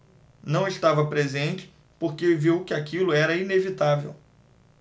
não estava presente porque viu que aquilo era inevitável